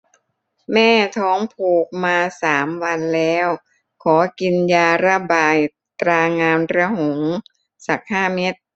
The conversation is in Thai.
แม่ท้องผูกมาสามวันแล้วขอกินยาระบายตรางามระหงสักห้าเม็ด